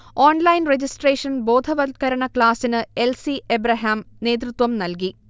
Online registration ബോധവൽക്കരണ ക്ലാസ്സിന് L. C. Abraham നേതൃത്വം നൽകി